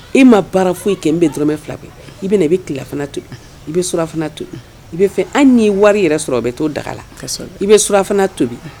E ma baara foyi kɛ n bɛ dmɛ fila kɛ i bɛna i bɛ kilafana to i bɛ surafana to i bɛ fɛ an n'i wari yɛrɛ sɔrɔ i bɛ to daga la i bɛ surafana tobi